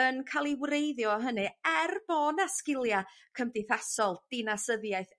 yn ca'l 'i wreiddio o hynny er bo' 'na sgilia cymdeithasol dinasyddiaeth